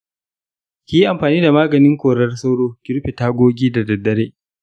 kiyi amfani da maganin korar sauro ki rufe tagogi da daddare.